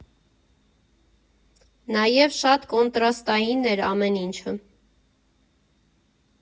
Նաև շատ կոնտրաստային էր ամեն ինչը։